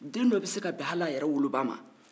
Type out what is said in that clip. den dɔw bɛ se ka bɛn hal'u yɛrɛ woloba ma